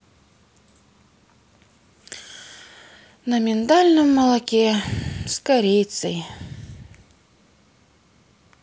на миндальном молоке с корицей